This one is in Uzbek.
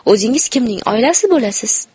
o'zingiz kimning oilasi bo'lasiz